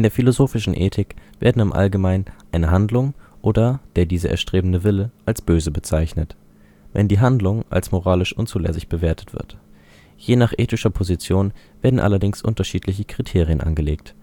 philosophischen Ethik werden im Allgemeinen eine Handlung oder der diese erstrebende Wille als böse bezeichnet, wenn die Handlung als moralisch unzulässig bewertet wird. Je nach ethischer Position werden allerdings unterschiedliche Kriterien angelegt